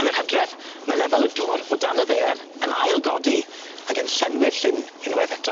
Yn yr Hydref ma' lefel y dŵr o dan y ddaear yn ail-godi ag yn llenwi'r llyn unwaith eto.